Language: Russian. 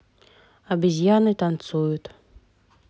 обезьяны танцуют